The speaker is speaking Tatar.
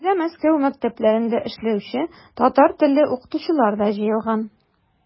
Биредә Мәскәү мәктәпләрендә эшләүче татар телле укытучылар да җыелган.